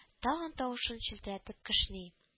Тагын тавышын челтерәтеп кешни